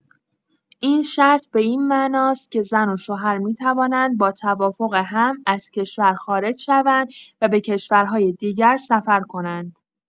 این شرط به این معناست که زن و شوهر می‌توانند با توافق هم، از کشور خارج شوند و به کشورهای دیگر سفر کنند.